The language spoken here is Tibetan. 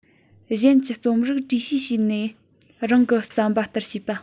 གཞན གྱི རྩོམ ཡིག བྲིས བཤུས བྱས ནས རང གིས བརྩམས པ ལྟར བྱས པ